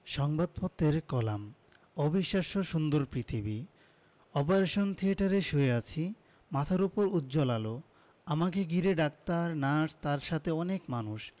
সংবাদপত্রের কলাম অবিশ্বাস্য সুন্দর পৃথিবী অপারেশন থিয়েটারে শুয়ে আছি মাথার ওপর উজ্জ্বল আলো আমাকে ঘিরে ডাক্তার নার্স তার সাথে অনেক মানুষ